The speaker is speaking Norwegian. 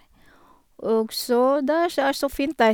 Og så, der sj er så fint der.